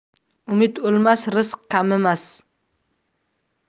umid o'lmas rizq kamimas